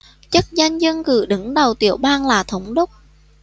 chức danh dân cử đứng đầu tiểu bang là thống đốc